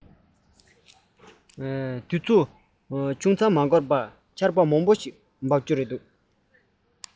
མི འགྱང བར དྲག ཆར ཞིག དབབ རྒྱུ ཡིན པ རྟོགས